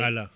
ala